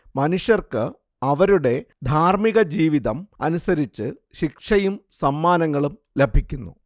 മനുഷ്യർക്ക് അവരുടെ ധാർമികജീവിതം അനുസരിച്ച് ശിക്ഷയും സമ്മാനങ്ങളും ലഭിക്കുന്നു